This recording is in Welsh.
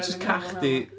Jyst cach 'di...